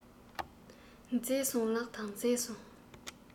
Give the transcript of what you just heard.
མཛེས སོང ལགས དང མཛེས སོང